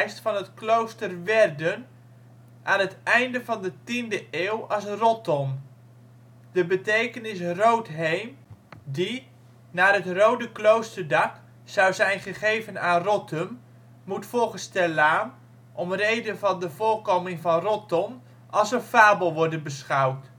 van het klooster Werden aan het einde van de 10e eeuw als Rotton. De betekenis ' Rood Heem ' die - naar het rode kloosterdak - zou zijn gegeven aan Rottum moet volgens ter Laan om reden van de voorkoming van ' Rotton ' als een fabel worden beschouwd